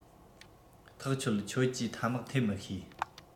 ཐག ཆོད ཁྱོད ཀྱིས ཐ མག འཐེན མི ཤེས